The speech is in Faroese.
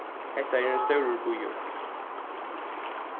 hetta er ein stórur býur